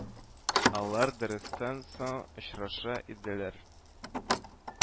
Алар дәрестән соң очраша иделәр